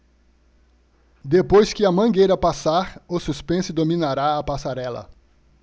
depois que a mangueira passar o suspense dominará a passarela